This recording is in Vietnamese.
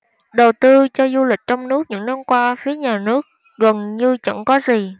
đầu tư cho du lịch trong nước những năm qua phía nhà nước gần như chẳng có gì